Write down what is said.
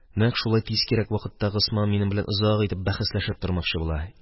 Нәкъ шулай тиз кирәк вакытта Госман минем белән озак итеп бәхәсләшеп тормакчы булды.